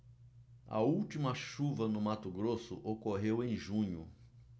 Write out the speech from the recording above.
a última chuva no mato grosso ocorreu em junho